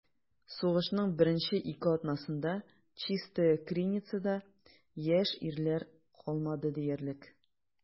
Сугышның беренче ике атнасында Чистая Криницада яшь ирләр калмады диярлек.